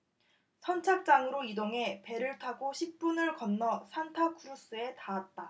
선착장으로 이동해 배를 타고 십 분을 건너 산타크루스에 닿았다